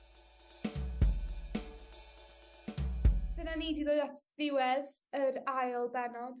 Dyna ni 'di dod at ddiwedd yr ail bennod